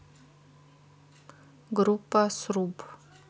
группа сруб